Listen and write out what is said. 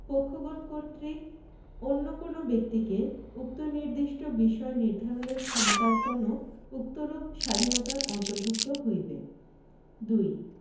পক্ষগণ কর্তৃক অন্য কোন ব্যক্তিকে উক্ত নির্দিষ্ট বিষয় নিধারণের ক্ষমতার্পণও উক্তরূপ স্বাধীনতার অন্তর্ভুক্ত হইবে ২